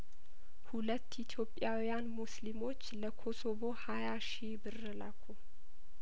ሁለት ኢትዮጵያውያን ሙስሊሞች ለኮሶቮ ሀያሺ ብር ላኩ